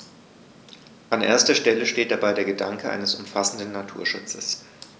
An erster Stelle steht dabei der Gedanke eines umfassenden Naturschutzes.